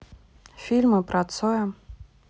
фильмы про цоя